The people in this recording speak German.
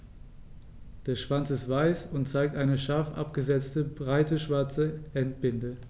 Der Schwanz ist weiß und zeigt eine scharf abgesetzte, breite schwarze Endbinde.